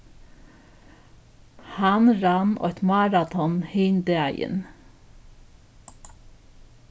hann rann eitt maraton hin dagin